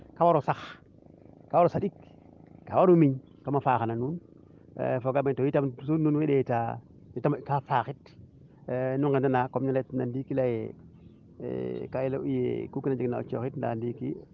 kaa waro sax kaa waro saɗik ka waro miñ comme a faaxa na nuun fogaame itam toujours nuun wey ndeeta kaa faxit nu ngena comme ne ley toona ndiiki nu leye ka i ley u ye ku kiina jeg na a cooxit ndaa ndiiki